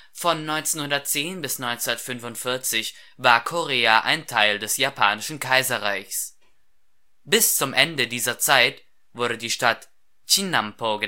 Von 1910 bis 1945 war Korea ein Teil des Japanischen Kaiserreichs. Bis zum Ende dieser Zeit wurde die Stadt Chinnampo